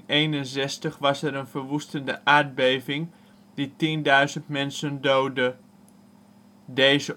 In 1861 was er een verwoestende aardbeving die tienduizend mensen doodde. 32°